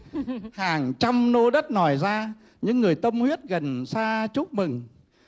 hàng trăm lô đất lòi ra những người tâm huyết gần xa chúc mừng